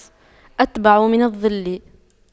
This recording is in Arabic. أتبع من الظل